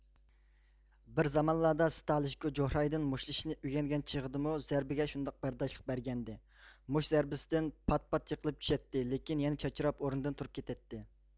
بىر زامانلاردا ستالىژكو جوھرايدىن مۇشتلىشىشنى ئۆگەنگەن چېغىدىمۇ زەربىگە شۇنداق بەرداشلىق بەرگەنىدى مۇشت زەربىسىدىن پات پات يىقىلىپ چۈشەتتى لېكىن يەنە چاچراپ ئورنىدىن تۇرۇپ كېتەتتى